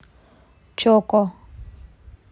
choco